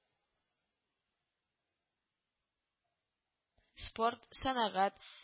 Спорт, сәнгать